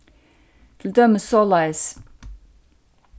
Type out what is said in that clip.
til dømis soleiðis